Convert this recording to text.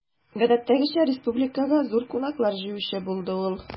Гадәттәгечә, республикага зур кунаклар җыючы булды ул.